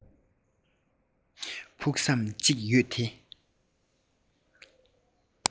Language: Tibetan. ཕུགས བསམ གཅིག ཡོད དེ